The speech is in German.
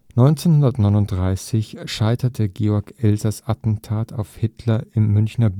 1939 scheiterte Georg Elsers Attentat auf Hitler im Münchner